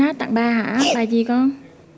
hát tặng ba hả bài gì con